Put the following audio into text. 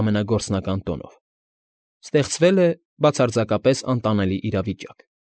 Ամենագործնական տոնով,֊ ստեղծվել է բացարձակապես անտանելի իրավիճակ։